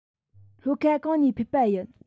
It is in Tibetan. ལྷོ ཁ གང ནས ཕེབས པ ཡིན